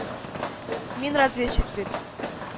Мин разведчик бит